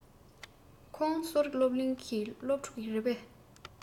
ཁོང གསོ རིག སློབ གླིང གི སློབ ཕྲུག རེད པས